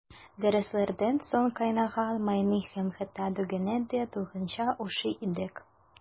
Дәресләрдән соң кайнаган майны һәм хәтта дөгене дә туйганчы ашый идек.